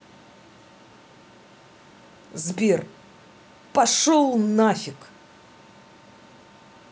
сбер пошел на фиг